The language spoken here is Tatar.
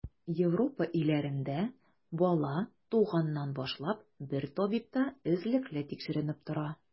Европа илләрендә бала, туганнан башлап, бер табибта эзлекле тикшеренеп тора.